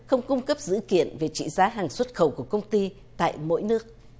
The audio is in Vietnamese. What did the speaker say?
không cung cấp dữ kiện về trị giá hàng xuất khẩu của công ty tại mỗi nước